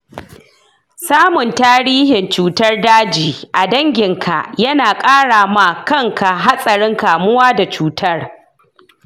samun tarihin cutar daji a dangin ka yana kara ma kanka hatsarin kamuwa da cutar.